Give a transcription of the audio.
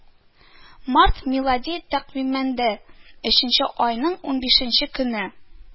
Март – милади тәкъвимендә өченче айның унбишенче көне